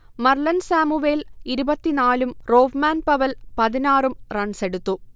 Marlon Samuels ഇരുപത്തി നാലും Rovman Powell പതിനാറും റൺസെടുത്തു